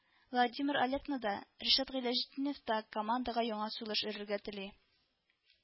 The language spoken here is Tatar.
Владимир Алекно да, Ришат Гыйләҗетдинов та командага яңа сулыш өрергә тели